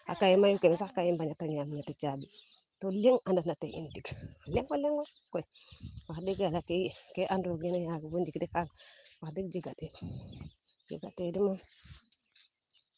a cahier mayu nene sax ka i mbaña tan taan ñeti caabi to o leŋ anda na te in tig o leŋo leŋ koy wax deg ke i nado geena yaaga bo ndiik de ka wax deg jega te jega te de moom